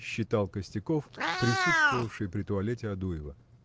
– считал Костяков, присутствовавший при туалете Адуева.